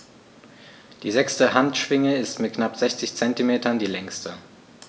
Die sechste Handschwinge ist mit knapp 60 cm die längste.